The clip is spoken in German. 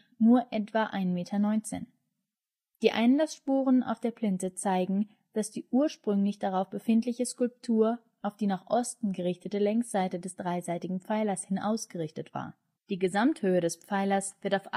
Die Einlassspuren auf der Plinthe zeigen, dass die ursprünglich darauf befindliche Skulptur auf die nach Osten gerichtete Längsseite des dreiseitigen Pfeilers hin ausgerichtet war. Die Gesamthöhe des Pfeilers wird auf 8,50 m Höhe rekonstruiert